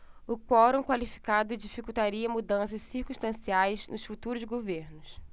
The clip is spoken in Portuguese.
o quorum qualificado dificultaria mudanças circunstanciais nos futuros governos